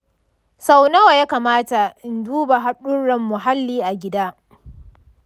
sau nawa ya kamata in duba haɗurran muhalli a gida?